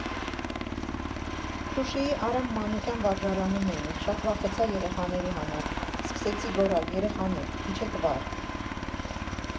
Շուշիի Արամ Մանուկյան վարժարանում էինք, շատ վախեցա երեխաների համար, սկսեցի գոռալ «երեխաներ, իջեք վար»։